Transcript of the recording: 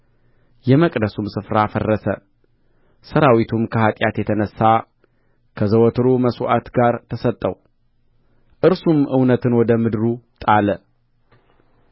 የመቅደሱም ስፍራ ፈረሰ ሠራዊቱም ከኃጢአት የተነሣ ከዘወትሩ መሥዋዕት ጋር ተሰጠው እርሱም እውነትን ወደ ምድሩ ጣለ